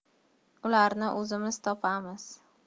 ularni o'zimiz topamiz